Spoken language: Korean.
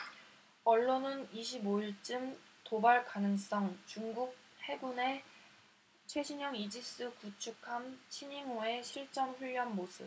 언론은 이십 오 일쯤 도발 가능성중국 해군의 최신형 이지스 구축함 시닝호의 실전훈련 모습